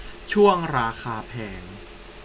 ช่วงราคาแพง